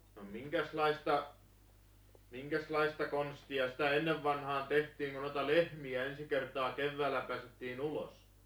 no minkäslaista minkäslaista konstia sitä ennen vanhaan tehtiin kun noita lehmiä ensi kertaa keväällä päästettiin ulos